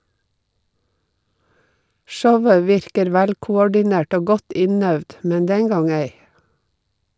Showet virker velkoordinert og godt innøvd, men den gang ei.